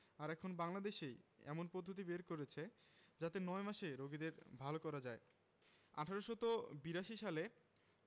আর এখন বাংলাদেশই এমন পদ্ধতি বের করেছে যাতে ৯ মাসেই রোগীদের ভালো করা যায় ১৮৮২ সালে